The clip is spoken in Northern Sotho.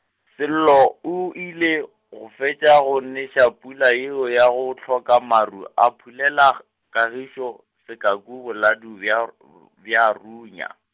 Sello o ile go fetša go neša pula yeo ya go hloka maru a phulela g-, Kagišo sekaku boladu bja , bja runya.